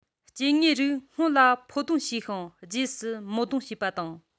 སྐྱེ དངོས རིགས སྔོན ལ ཕོ སྡོང བྱས ཤིང རྗེས སུ མོ སྡོང བྱས པ དང